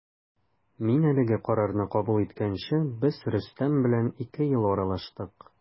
Мин әлеге карарны кабул иткәнче без Рөстәм белән ике ел аралаштык.